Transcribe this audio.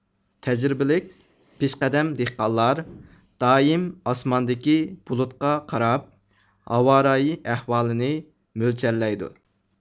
تەجرىبىلىك پېشقەدەم دېھقانلار دائىم ئاسماندىكى بۇلۇتقا قاراپ ھاۋارايى ئەھۋالىنى مۆلچەرلەيدۇ